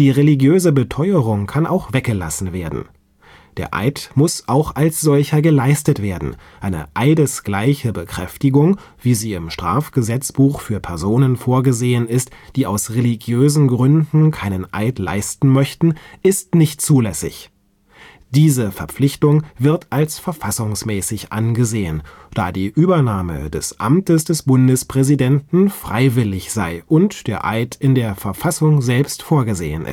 religiöse Beteuerung kann auch weggelassen werden. Der Eid muss auch als solcher geleistet werden; eine eidesgleiche Bekräftigung – wie sie im Strafgesetzbuch für Personen vorgesehen ist, die aus religiösen Gründen keinen Eid leisten möchten – ist nicht zulässig. Diese Verpflichtung wird als verfassungsmäßig angesehen, da die Übernahme des Amtes des Bundespräsidenten freiwillig sei und der Eid in der Verfassung selbst vorgesehen